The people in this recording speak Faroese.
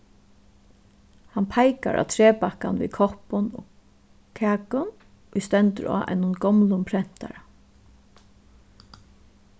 hann peikar á træbakkan við koppum og kakum ið stendur á einum gomlum prentara